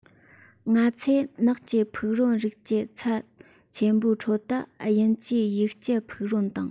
ང ཚོས ནགས ཀྱི ཕུག རོན རིགས ཀྱི ཚན ཆེན པོའི ཁྲོད དུ དབྱིན ཇིའི ཡིག སྐྱེལ ཕུག རོན དང